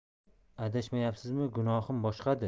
adashmayapsizmi gunohim boshqadir